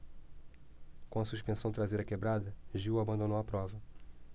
com a suspensão traseira quebrada gil abandonou a prova